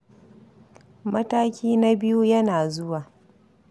Mataki na biyu yana zuwa.